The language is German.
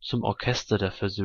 zum Orchester der Versöhnung